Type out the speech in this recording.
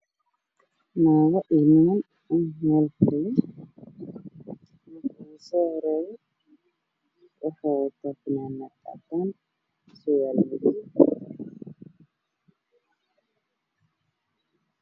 Naago iyo niman meel wada fadhiyo naagta usoo horeyso waxay qabtaa xijaab madowga ninka ugu soo horreeyana uu qabaa khamiis caddaan ah wayna sheekaysanaya